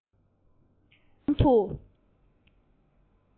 མ རིག རྨོངས པའི ཡུལ དུ ལུས པའི བྱིས པ